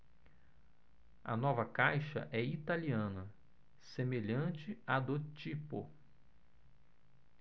a nova caixa é italiana semelhante à do tipo